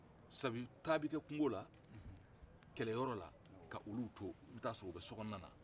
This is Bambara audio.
taa bɛ kɛ kungo la kɛlɛyɔrɔ la ka olu to i bɛ taa sɔrɔ o bɛ sokɔnɔna na